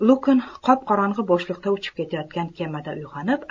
lukn qop qorong'i bo'shliqda uchib ketayotgan kemada uyg'onib